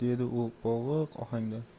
u bo'g'iq ohangda